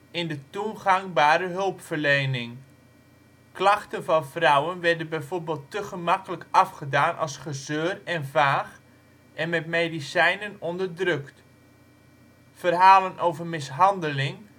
in de toen gangbare hulpverlening. Klachten van vrouwen werden bijvoorbeeld te gemakkelijk afgedaan als ‘gezeur’ en ‘vaag’, en met medicijnen onderdrukt. Verhalen over mishandeling